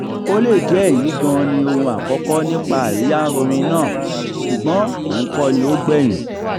Ó lè jẹ́ èyí gan-an ni oun àkọ́kọ́ nípa àríyá orin náà, ṣùgbọ́n òun kọ́ ni ó gbẹ̀yìn.